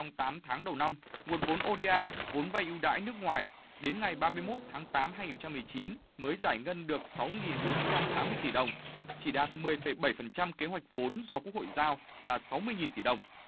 trong tám tháng đầu năm nguồn vốn ô đe a vốn vay ưu đãi nước ngoài đến ngày ba mươi mốt tháng tám hay hai trăm mười chín mới giải ngân được sáu nghìn bốn trăm tám mươi tỷ đồng chỉ đạt mười phẩy bảy phần trăm kế hoạch vốn do quốc hội giao là sáu mươi nghìn tỷ đồng